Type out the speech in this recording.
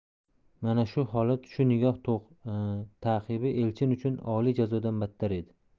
mana shu holat shu nigoh ta'qibi elchin uchun oliy jazodan battar edi